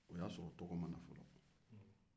o y'a sɔrɔ u tɔgɔ ma na fɔlɔ